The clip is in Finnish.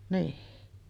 niin